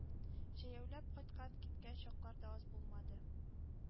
Җәяүләп кайткан-киткән чаклар да аз булмады.